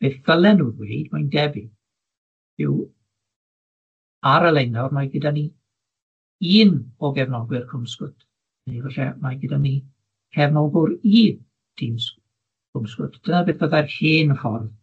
Beth ddylen nw ddweud, mae'n debyg, yw ar y lein nawr mae gyda ni un o gefnogwyr Cwm Sgwt, neu falle mae gyda ni cefnogwr i Team S- Cwm Sgwt, dyna beth fyddai'r hen ffordd.